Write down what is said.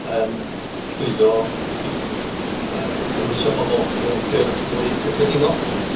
Yn llwyddo i yy gymhwyso pobl mewn ffyrdd mwy cyffredinol.